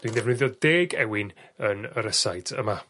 Dwi'n defnyddio deg ewin yn y ryseit yma.